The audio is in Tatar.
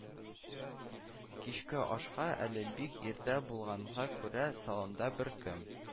Кичке ашка әле бик иртә булганга күрә, салонда беркем